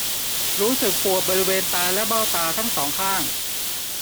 รู้สึกปวดบริเวณตาและเบ้าตาทั้งสองข้าง